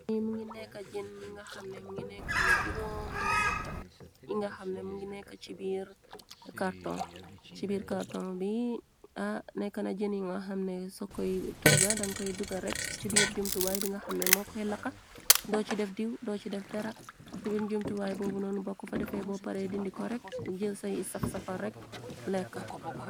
Li mungi nekka jen yi nga xamne mu ngi neka jrom ñeta yi nga xamne mu ngi nek ci biir carton ci biir carton bi a ne kana jënyi nga xamne so koy togga dankoy duga rekk ci biir jumtuwaay bi nga xamne mo koy laka doo ci def diiw do ci def dera ci biir njumtuwaay boobu noon bokk fa defee bo pare dindi ko rek jël say saf safal rek lekka.